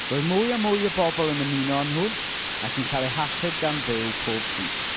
Roedd mwy a mwy o bobl yn ymuno â nhw ac yn cael eu hachub gan Dduw pob dydd.